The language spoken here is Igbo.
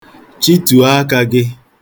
Chịtuo aka gị.